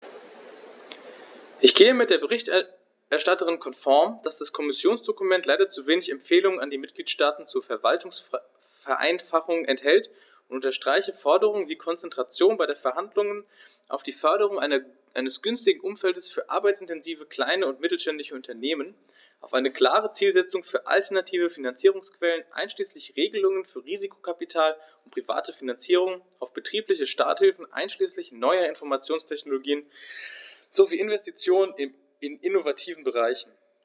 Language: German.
Ich gehe mit der Berichterstatterin konform, dass das Kommissionsdokument leider zu wenig Empfehlungen an die Mitgliedstaaten zur Verwaltungsvereinfachung enthält, und unterstreiche Forderungen wie Konzentration bei Verhandlungen auf die Förderung eines günstigen Umfeldes für arbeitsintensive kleine und mittelständische Unternehmen, auf eine klare Zielsetzung für alternative Finanzierungsquellen einschließlich Regelungen für Risikokapital und private Finanzierung, auf betriebliche Starthilfen einschließlich neuer Informationstechnologien sowie Investitionen in innovativen Bereichen.